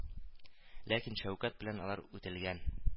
Ләкин шәүкәт белән алар үтелгән